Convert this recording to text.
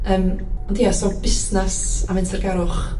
yym ond ia so busnas a fentergarwch